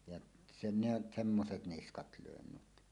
ja se ne semmoiset niskat löin nyt